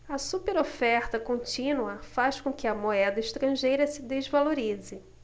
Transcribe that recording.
a superoferta contínua faz com que a moeda estrangeira se desvalorize